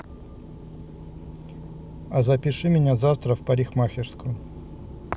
а запиши меня завтра в парикмахерскую